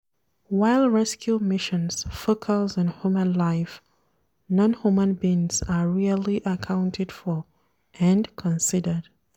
While rescue missions focus on human life, non-human beings are rarely accounted for and considered.